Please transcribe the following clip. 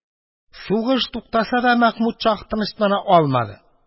Сугыш туктаса да, Мәхмүд шаһ тынычлана алмады.